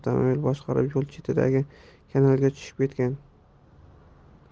avtomobil boshqarib yo'l chetidagi kanalga tushib ketgan